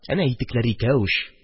Әнә итекләре икәү ич.